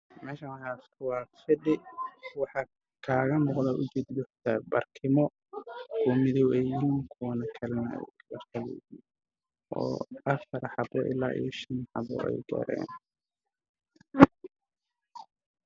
Meeshan waa qol waxaa ii muuqda fadhicadaan ah waxaa saaran bartiimo midooday caddaysi ah